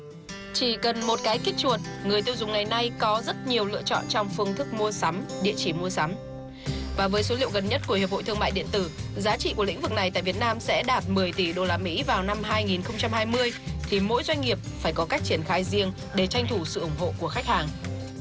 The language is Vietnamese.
chỉ cần một cái kích chuột người tiêu dùng ngày nay có rất nhiều lựa chọn trong phương thức mua sắm địa chỉ mua sắm và với số liệu gần nhất của hiệp hội thương mại điện tử giá trị của lĩnh vực này tại việt nam sẽ đạt mười tỷ đô la mỹ vào năm hai nghìn không trăm hai mươi thì mỗi doanh nghiệp phải có cách triển khai riêng để tranh thủ sự ủng hộ của khách hàng